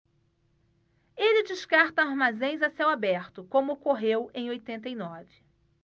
ele descarta armazéns a céu aberto como ocorreu em oitenta e nove